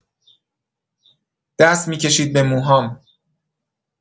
دست می‌کشید به موهام.